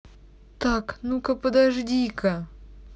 так ну ка подожди ка